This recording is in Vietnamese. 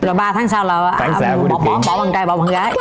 rồi ba tháng sau là bỏ bạn trai bỏ bạn gái